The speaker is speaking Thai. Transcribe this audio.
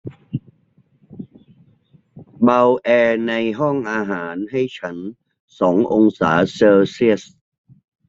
เบาแอร์ในห้องอาหารให้ฉันสององศาเซลเซียส